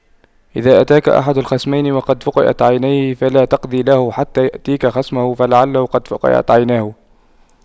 إذا أتاك أحد الخصمين وقد فُقِئَتْ عينه فلا تقض له حتى يأتيك خصمه فلعله قد فُقِئَتْ عيناه